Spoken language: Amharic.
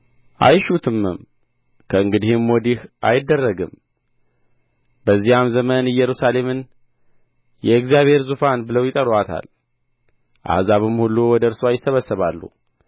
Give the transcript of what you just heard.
አይሹትምም ከእንግዲህ ወዲህም አይደረግም በዚያም ዘመን ኢየሩሳሌምን የእግዚአብሔር ዙፋን ብለው ይጠሩአታል አሕዛብም ሁሉ ወደ እርስዋ ይሰበሰባሉ